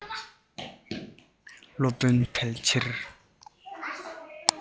སློབ དཔོན ཕལ ཆེར